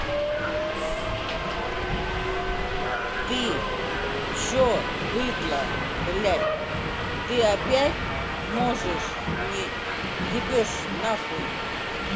ты че быдло блять ты опять можешь мне ебешь нахуй